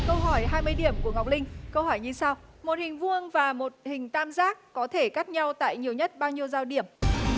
câu hỏi hai mươi điểm của ngọc linh câu hỏi như sau một hình vuông và một hình tam giác có thể cắt nhau tại nhiều nhất bao nhiêu giao điểm